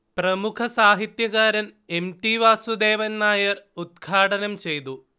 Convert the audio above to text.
പ്രമുഖസാഹിത്യകാരൻ M. T. Vasudevan Nair ഉദ്ഘാടനം ചെയ്തു